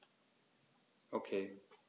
Okay.